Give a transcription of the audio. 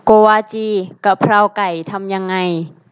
โกวาจีกะเพราไก่ทำยังไง